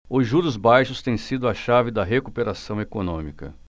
os juros baixos têm sido a chave da recuperação econômica